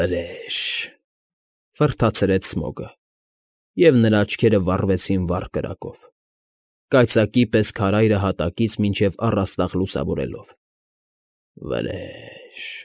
Վրե՛ժ,֊ ֆռթացրեց Սմոգը, և նրա աչքերը վառվեցին վառ կրակով, կայծակի պես քարայրը հատակից մինչև առաստաղ լուսավորելով։֊ Վրե՛ժ։